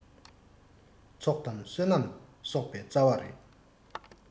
ཚོགས དང བསོད ནམས གསོག པའི རྩ བ རེད